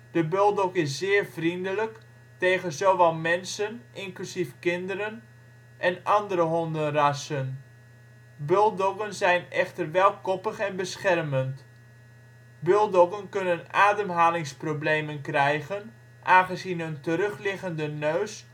De Bulldog is zeer vriendelijk tegen zowel mensen (inclusief kinderen) en andere hondenrassen. Bulldoggen zijn echter wel koppig en beschermend. Bulldoggen kunnen ademhalingsproblemen krijgen, aangezien hun terugliggende neus